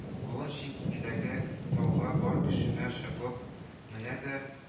Болын чинтендәге тауга бар көченә чабып менә дә